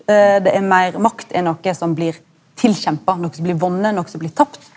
det er meir makt er noko som blir tilkjempa noko som blir vunne noko som blir tapt.